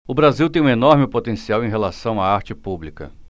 o brasil tem um enorme potencial em relação à arte pública